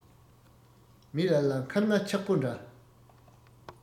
མི ལ ལ མཁར རྔ ཆག པོ འདྲ